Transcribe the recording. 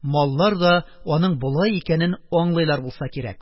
Маллар да аның болай икәнен аңлыйлар булса кирәк.